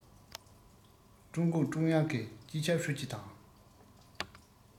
ཀྲུང གུང ཀྲུང དབྱང གི སྤྱི ཁྱབ ཧྲུའུ ཅི དང